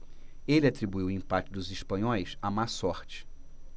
ele atribuiu o empate dos espanhóis à má sorte